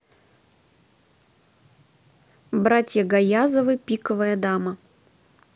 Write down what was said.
братья гаязовы пиковая дама